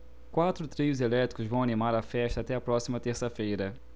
quatro trios elétricos vão animar a festa até a próxima terça-feira